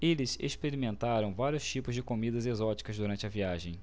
eles experimentaram vários tipos de comidas exóticas durante a viagem